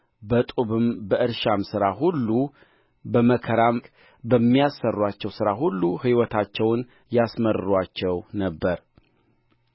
በጡብም በእርሻም ሥራ ሁሉ በመከራም በሚያሠሩአቸው ሥራ ሁሉ ሕይወታቸውን ያስመርሩአቸው ነበር